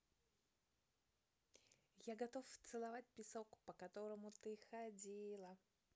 я готов целовать песок по которому ты ходила